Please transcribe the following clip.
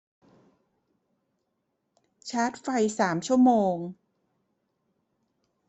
ชาร์จไฟสามชั่วโมง